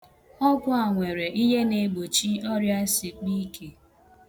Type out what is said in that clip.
Ọgwụ a nwere ihe na-egbochi ọrịansekpọike.